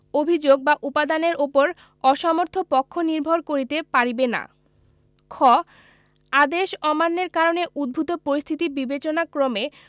অভিযোগ বা উপাদানের উপর অসমর্থ পক্ষ নির্ভর করিতে পারিবে না খ আদেশ অমান্যের কারণে উদ্ভুত পরিস্থিতি বিবেচনাক্রমে